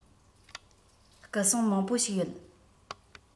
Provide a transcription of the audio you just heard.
སྐུ སྲུང མང པོ ཞིག ཡོད